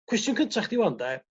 cwestiwn cynta chdi 'wan 'de